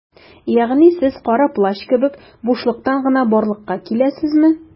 Ягъни сез Кара Плащ кебек - бушлыктан гына барлыкка киләсезме?